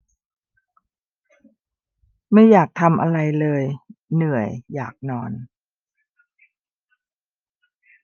ไม่อยากทำอะไรเลยเหนื่อยอยากนอน